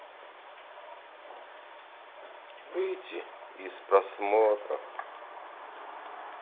выйти из просмотра